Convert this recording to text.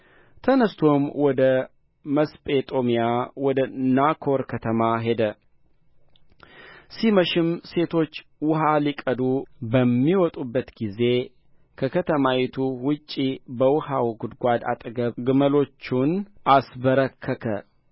ተነሥቶም ወደ መስጼጦምያ ወደ ናኮር ከተማ ሄደ ሲመሽም ሴቶች ውኃ ሊቀዱ በሚወጡበት ጊዜ ከከተማይቱ ውጪ በውኃው ጕድጓድ አጠገብ ግመሎቹን አስበረከከ